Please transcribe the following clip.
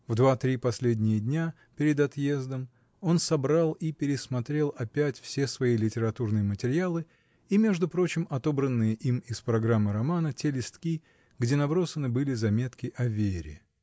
В два-три последние дня перед отъездом он собрал и пересмотрел опять все свои литературные материалы, и между прочим отобранные им из программы романа те листки, где набросаны были заметки о Вере.